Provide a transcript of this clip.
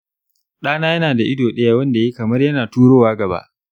ɗana yana da ido ɗaya wanda yayi kamar yana turowa gaba.